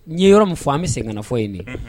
N'i ye yɔrɔ min fɔ an bɛ seginfɔ ye de